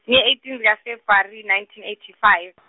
nge- eighteen nineteen eighty five.